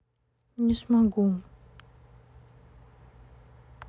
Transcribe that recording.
не смогу